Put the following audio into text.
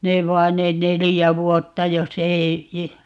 ne vain ne neljä vuotta jos ei